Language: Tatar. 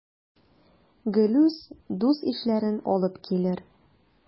Гелүс дус-ишләрен алып килер.